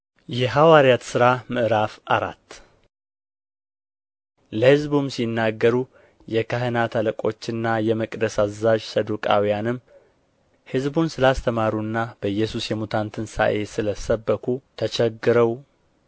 የሐዋርያት ሥራ ምዕራፍ አራት ለሕዝቡም ሲናገሩ የካህናት አለቆችና የመቅደስ አዛዥ ሰዱቃውያንም ሕዝቡን ስለ አስተማሩና በኢየሱስ የሙታንን ትንሣኤ ስለ ሰበኩ ተቸግረው